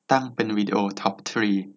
ตั้งเป็นวิดีโอทอปทรี